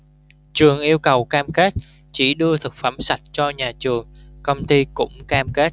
trường yêu cầu cam kết chỉ đưa thực phẩm sạch cho nhà trường công ty cũng cam kết